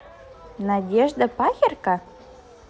надежда пахирко